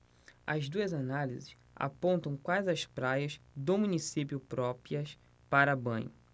as duas análises apontam quais as praias do município próprias para banho